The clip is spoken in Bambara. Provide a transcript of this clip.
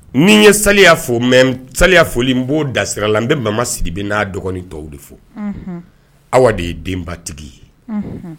Ni ye sa fɔ mɛ sa foli n b'o dasira la n bɛ mama si de bɛ n'a dɔgɔnin tɔw de fɔ aw de ye denbatigi ye